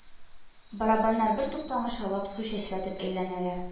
Барабаннар бертуктамый шаулап су чәчрәтеп әйләнәләр